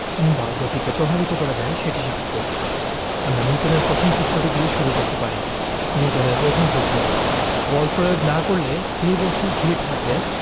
কিংবা গতিকে প্রভাবিত করা যায় সেটি শিখব আমরা নিউটনের প্রথম সূত্রটি দিয়ে শুরু করতে পারি নিউটনের প্রথম সূত্র বল প্রয়োগ না করলে স্থির বস্তু স্থির থাকবে